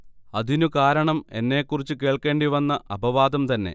അതിനു കാരണം എന്നെക്കുറിച്ചു കേൾക്കേണ്ടി വന്ന അപവാദം തന്നെ